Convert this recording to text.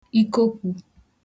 ikokwu